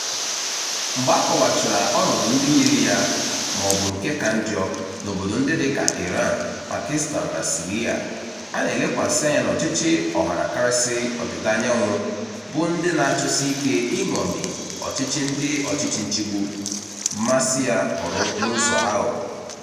Mgbe a kọwachara ọnọdụ ndị yiri ya (maọbụ nke ka njọ) n'obodo ndị dịka Iran, Pakistan na Syria, a na-elekwasị anya n'ọchịchị ọhakarasị Ọdịdaanyanwụ - bụ ndị na-achọsi ike iṅomi ọchịchị ndị ọchịchị nchịgbu, masị ya bụrụ n'ụzọ aghụghọ.